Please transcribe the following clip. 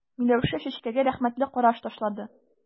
Миләүшә Чәчкәгә рәхмәтле караш ташлады.